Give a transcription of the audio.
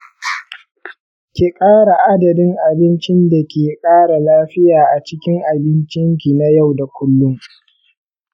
ki kara adadin abincin da ke kara lafiya a cikin abincin ki na yau da kullum.